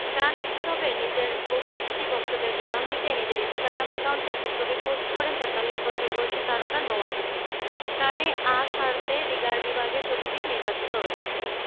কান উৎসবে নিজের বপস্থিতি ভক্তদের জানান দিতে নিজের ইনস্টাগ্রাম অ্যাকাউন্টে একটি ছবি পোস্ট করেন ৪৩ বছর বয়সী তারকা নওয়াজুদ্দিন কানে আঁ সারতে রিগার বিভাগে ছবিটি নির্বাচিত হয়েছে